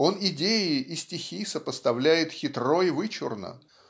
он идеи и стихи сопоставляет хитро и вычурно